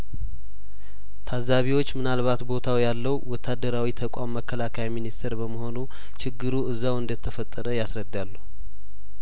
ታዛቢዎች ምናልባት ቦታው ያለው ወታደራዊ ተቋም መከላከያ ሚኒስተር በመሆኑ ችግሩ እዛው እንደተፈጠረ ያስረዳሉ